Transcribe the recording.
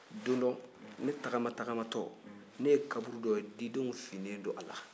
don dɔ ne taama-taamatɔ ne ye kaburu dɔ ye diden finnen don a la